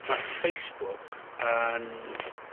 ...ma' Facebook yn